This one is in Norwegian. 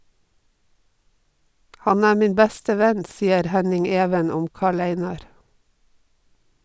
- Han er min beste venn, sier Henning-Even om Karl-Einar.